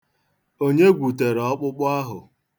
Onye gwutere ọkpụkpụ ahụ?